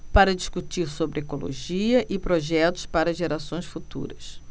para discutir sobre ecologia e projetos para gerações futuras